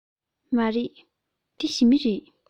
མ རེད འདི ཞི མི རེད